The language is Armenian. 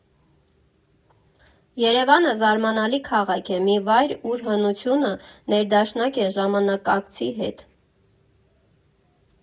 Երևանը զարմանալի քաղաք է, մի վայր, ուր հնությունը ներդաշնակ է ժամանակակցի հետ։